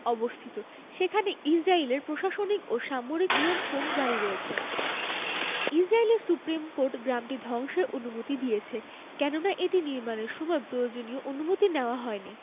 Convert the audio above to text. অবস্থিত সেখানে ইসরাইলের প্রশাসনিক ও সামরিক নিয়ন্ত্রণ জারি রয়েছে ইসরাইলের সুপ্রিম কোর্ট গ্রামটি ধ্বংসের অনুমতি দিয়েছে কেননা এটি নির্মাণের সময় প্রয়োজনীয় অনুমতি নেওয়া হয়নি